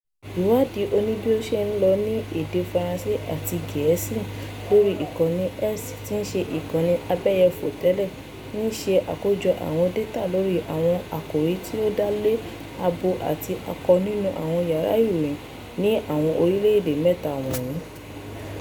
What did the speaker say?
Ìwádìí oní bí ó ṣe ń lọ ní èdè Faransé àti Gẹ̀ẹ́sì lórí ìkànnì X (tíí ṣe Ìkànnì Abẹ́yẹfò tẹ́lẹ̀) ń ṣe àkójọ àwọn dátà lórí àwọn àkòrí tí ó dá lé abo àti akọ nínú àwọn yàrá ìròyìn ní àwọn orílẹ́ èdè mẹ́ta wọ̀nyí.